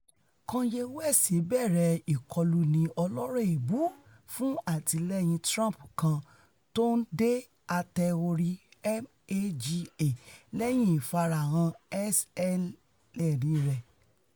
Kanye West Bẹ̀rẹ̀ Ìkọluni Ọlọ́rọ̀ Èébú fún Àtilẹ́yìn-Trump kan, tó ńdé Ate-ori MAGA, Lẹ́yìn Ìfarahàn SNL rẹ̀.